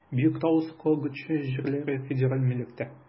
Биектау саклагычы җирләре федераль милектә.